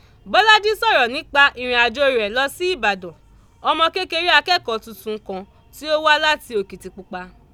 Bólájí sọ̀rọ̀ nípa ìrìnàjòo rẹ̀ lọ sí Ìbàdàn, ọmọ kékeré akẹ́kọ̀ọ́ tuntun kan tí ó wá láti Òkìtìpupa.